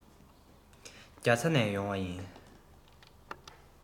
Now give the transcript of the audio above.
རྒྱ ཚ ནས ཡོང བ ཡིན